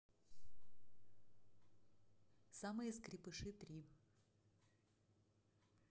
самые скрепыши три